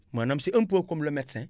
maanaam c' est un peu comme le medecin